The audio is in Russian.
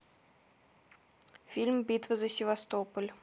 фильм битва за севастополь